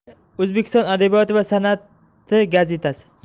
o'zbekiston adabiyoti va san ati gazetasi